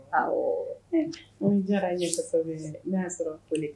Awɔɔ foli diyar'an ye kosɛbɛ Nea Sɔrɔfole